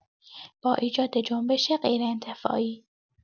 با ایجاد جنبش غیرانتفاعی